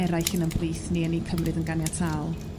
eraill yn 'yn plith ni yn u cymryd yn ganiatáol.